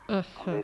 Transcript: Unhun